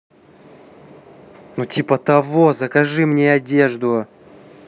ну типа того закажи мне одежду